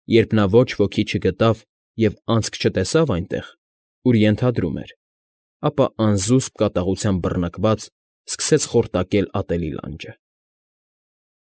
Երբ նա ոչ ոքի չգտավ և անցք չտեսավ այնտեղ, ուր ենթադրում էր, ապա, անզուսպ կատաղությամբ բռնկված, սկսեց խորտակել ատելի լանջը։